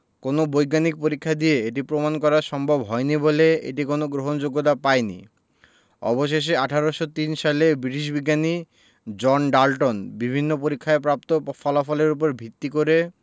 কোনো বৈজ্ঞানিক পরীক্ষা দিয়ে এটি প্রমাণ করা সম্ভব হয়নি বলে এটি কোনো গ্রহণযোগ্যতা পায়নি অবশেষে ১৮০৩ সালে ব্রিটিশ বিজ্ঞানী জন ডাল্টন বিভিন্ন পরীক্ষায় প্রাপ্ত ফলাফলের উপর ভিত্তি করে